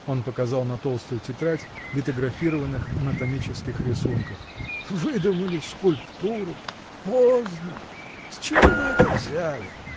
— Он показал на толстую тетрадь литографированных анатомических рисунков. — Выдумали скульптуру! Поздно. С чего вы это взяли?